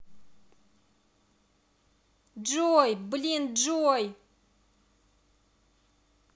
джой блин джой